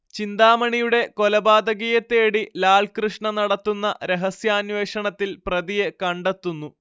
ചിന്താമണിയുടെ കൊലപാതകിയെത്തേടി ലാൽകൃഷ്ണ നടത്തുന്ന രഹസ്യാന്വേഷണത്തിൽ പ്രതിയെ കണ്ടെത്തുന്നു